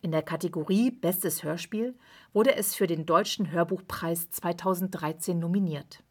der Kategorie „ Bestes Hörspiel “wurde es für den Deutschen Hörbuchpreis 2013 nominiert